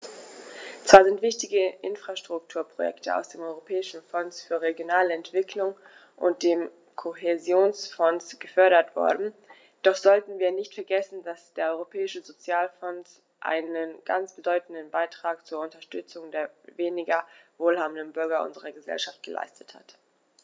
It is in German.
Zwar sind wichtige Infrastrukturprojekte aus dem Europäischen Fonds für regionale Entwicklung und dem Kohäsionsfonds gefördert worden, doch sollten wir nicht vergessen, dass der Europäische Sozialfonds einen ganz bedeutenden Beitrag zur Unterstützung der weniger wohlhabenden Bürger unserer Gesellschaft geleistet hat.